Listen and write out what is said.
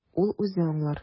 Ул үзе аңлар.